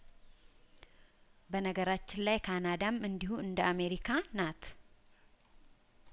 በነገራችን ላይ ካናዳም እንዲሁ እንደ አሜሪካን ናት